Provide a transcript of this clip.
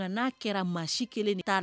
A n'a kɛra maa si kelen